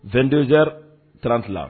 Wtdi tran fila